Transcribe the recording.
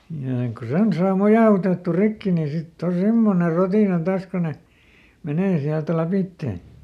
ja ei kun sen saa mojautettua rikki niin sitten on semmoinen rotina taas kun ne menee sieltä lävitse